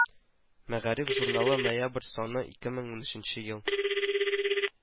Мәгариф журналы, ноябрь саны, ике мең унөченче ел